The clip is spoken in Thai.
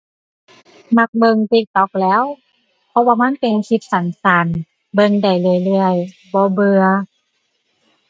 มักเบิ่ง TikTok แหล้ว เพราะว่ามันเป็นคลิปสั้นสั้น เบิ่งได้เรื่อยเรื่อย บ่เบื่อ